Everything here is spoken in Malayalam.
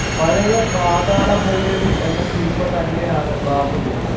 പഴയ പാതാളഭൈരവി എന്ന സിനിമ തന്നെയാണ് ബാഹുബലി